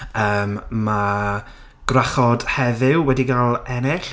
Yym, ma' 'Gwrachod Heddiw' wedi gael ennill.